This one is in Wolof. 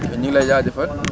kon ñu ngi lay jaajëfal